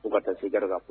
Ko ka taa se garan fɔ